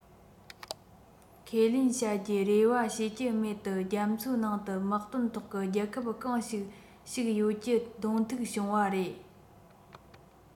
ཁས ལེན བྱ རྒྱུའི རེ བ བྱེད ཀྱི མེད དུ རྒྱ མཚོའི ནང དུ དམག དོན ཐོག གི རྒྱལ ཁབ གང ཞིག ཞིག ཡོད ཀྱི གདོང ཐུག བྱུང བ རེད